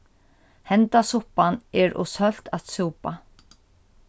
henda suppan er ov sølt at súpa